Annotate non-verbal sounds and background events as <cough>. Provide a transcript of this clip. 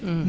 <hesitation>